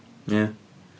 Ia.